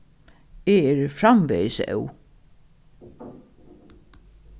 eg eri framvegis óð